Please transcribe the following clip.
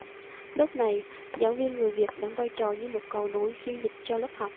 lúc này giáo viên người việt đóng vai trò như một cầu nối phiên dịch cho lớp học